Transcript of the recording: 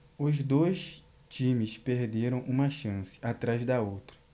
os dois times perderam uma chance atrás da outra